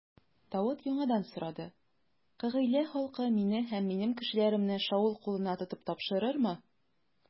Давыт яңадан сорады: Кыгыйлә халкы мине һәм минем кешеләремне Шаул кулына тотып тапшырырмы?